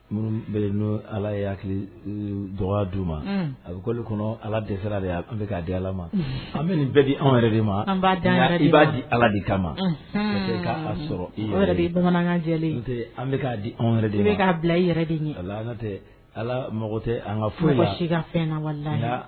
Minnu n' ala ye hakili dɔgɔ di u ma a bɛ kɔli kɔnɔ ala dɛsɛra ye an bɛ k'a di ala ma an bɛ bɛ di an yɛrɛ ma an i b'a di ala di kama sɔrɔ bamanankanjɛ an k'a di an yɛrɛ bɛ k'a bila i yɛrɛ de ala an tɛ ala mɔgɔ tɛ an ka foyi fɛn